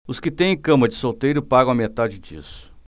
os que têm cama de solteiro pagam a metade disso